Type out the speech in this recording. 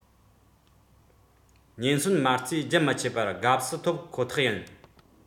ཉེན ཟོན མ རྩས རྒྱུན མི ཆད པར དགའ བསུ ཐོབ ཁོ ཐག ཡིན